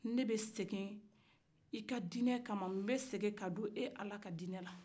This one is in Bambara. ne bɛ segin i ka dinɛ kama nbɛ segin ka don e ala ka dinɛ la